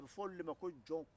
a bɛ fɔ olu de ma ko jɔnw